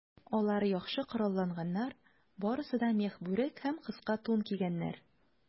Алар яхшы коралланганнар, барысы да мех бүрек һәм кыска тун кигәннәр.